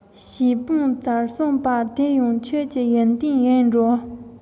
ཞེས སྤང བྱར གསུངས པ དེ ཡང ཁྱོད ཀྱི ཡོན ཏན ཡིན འགྲོ